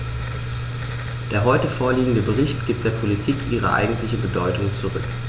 Der heute vorliegende Bericht gibt der Politik ihre eigentliche Bedeutung zurück.